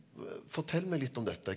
forteller meg litt om dette!